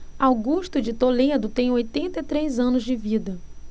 augusto de toledo tem oitenta e três anos de vida